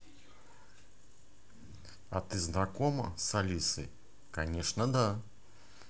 а ты знакома с алисой